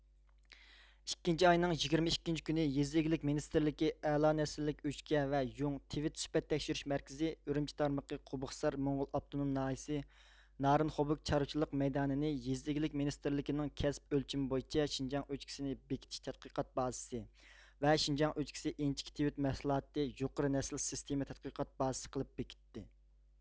ئىككىنچى ئاينىڭ يېگىرمە ئىككىنچى كۈنى يېزا ئىگىلىك مىنىستىرلىكى ئەلا نەسىللىك ئۆچكە ۋە يۇڭ تىۋىت سۈپەت تەكشۈرۈش مەركىزى ئۈرۈمچى تارمىقى قوبۇقسار موڭغۇل ئاپتونوم ناھىيىسى نارىن خوبۇگ چارۋىچىلىق مەيدانىنى يېزا ئىگىلىك مىنىستىرلىكىنىڭ كەسىپ ئۆلچىمى بويىچە شىنجاڭ ئۆچكىسى نى بېكىتىش تەتقىقات بازىسى ۋە شىنجاڭ ئۆچكىسى ئىنچىكە تىۋىت مەھسۇلاتى يۇقىرى نەسىل سېستېما تەتقىقات بازىسى قىلىپ بېكىتتى